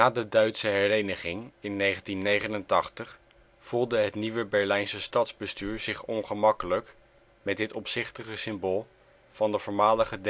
de Duitse hereniging in 1989 voelde het nieuwe Berlijnse stadsbestuur zich ongemakkelijk met dit opzichtige symbool van de voormalige